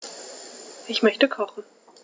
Ich möchte kochen.